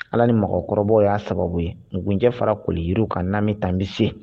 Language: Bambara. Ala ni mɔgɔkɔrɔba y'a sababu ye mungcɛ fara koli y yiri kan naanimi tan bɛ se